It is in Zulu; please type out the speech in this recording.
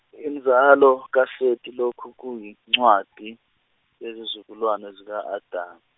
inzalo kaSeti lokhu kuyincwadi, yezizukulwane zika Adamu.